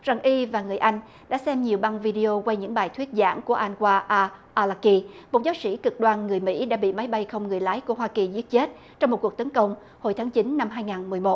rằng y và người anh đã xem nhiều băng vi đi ô quay những bài thuyết giảng của an qua a a la ki một giáo sĩ cực đoan người mỹ đã bị máy bay không người lái của hoa kỳ giết chết trong một cuộc tấn công hồi tháng chín năm hai ngàn mười một